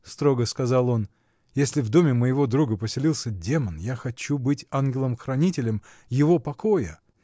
— строго сказал он, — если в доме моего друга поселился демон, я хочу быть ангелом-хранителем его покоя.